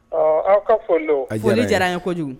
Ɔ aw ka fɔdo a joli diyara ye kojugu